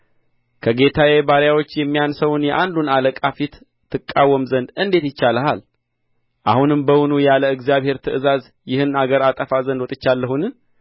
ከጌታዬ ባሪያዎች የሚያንሰውን የአንዱን አለቃ ፊት ትቃወም ዘንድ እንዴት ይቻልሃል አሁንም በውኑ ያለ እግዚአብሔር ትእዛዝ ይህን አገር አጠፋ ዘንድ ወጥቻለሁን